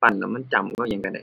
ปั้นแล้วมันจ้ำกับอิหยังก็ได้